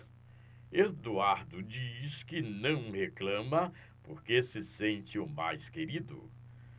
eduardo diz que não reclama porque se sente o mais querido